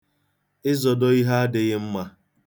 Ịzọdo ihe adịghị mma.